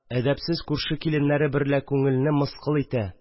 Әдәпсез күрше киленнәре берлә күңелне мыскыл итә